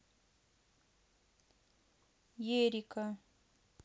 ерика